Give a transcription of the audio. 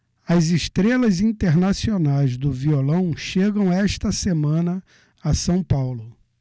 as estrelas internacionais do violão chegam esta semana a são paulo